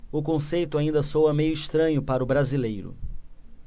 o conceito ainda soa meio estranho para o brasileiro